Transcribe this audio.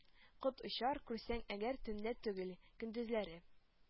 Кот очар, күрсәң әгәр, төнлә түгел — көндезләре.